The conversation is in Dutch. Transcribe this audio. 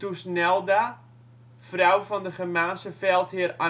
Thusnelda, vrouw van de Germaanse veldheer Arminius